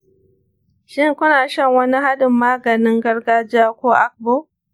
shin kuna shan wani hadin maganin gargajiya ko agbo?